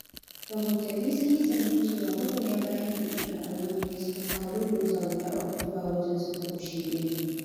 Rahotanni sun yi zargin cewa magoya bayan Jam'iyyar Awami (AL) ne suka kawo buldoza guda uku zuwa wajen suka rushe ginin.